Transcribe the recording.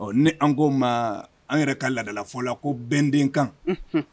Ni an ko ma an yɛrɛ ka ladalafɔ la ko bɛndenkan